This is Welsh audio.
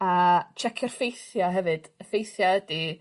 a checio'r ffeithia hefyd y ffeithia ydi...